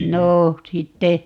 no sitten